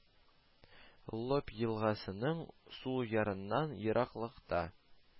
Лопь елгасының сул ярыннан ераклыкта